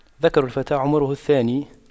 ذكر الفتى عمره الثاني